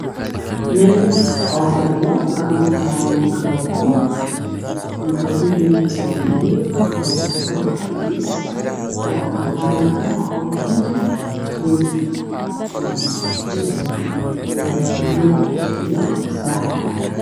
Nin oo fadhiyo gacanta ku haya Maka rofan mak rafonka midabkisu wa madow waxa uu wata qamiis oo cadan ah waxa ugu jirto kofi maron jinin iyo cadan ah